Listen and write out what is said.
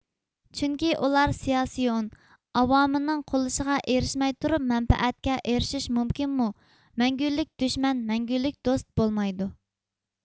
چۈنكى ئۇلار سىياسىيون ئاۋامىنىڭ قوللىشىغا ئېرىشمەي تۇرۇپ مەنپەئەتكە ئېرىشىش مۇمكىنمۇ مەڭڭۈلۈك دۈشمەن مەڭگۈلۈك دوست بولمايدۇ